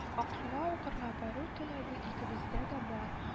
Аксуга укырга бару теләге икебездә дә бар